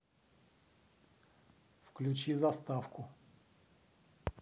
выключи заставку